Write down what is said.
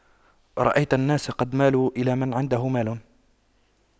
رأيت الناس قد مالوا إلى من عنده مال